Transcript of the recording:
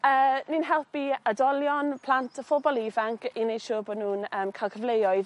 Yy ni'n helpu oedolion plant a phobol ifanc i neu' siŵr bo' nw'n yym ca'l cyfleoedd